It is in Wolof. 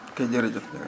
ok jërëjëf waay